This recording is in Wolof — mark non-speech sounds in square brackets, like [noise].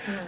[hesitation]